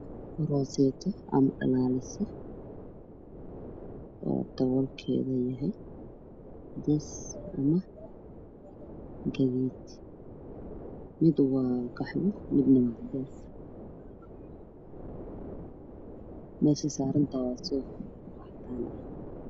Hooseto aada u dhalaaleyso oo dabeelkeedu yahay cadaan ama jabuuti mid kalena waa qaxo iyo jaallo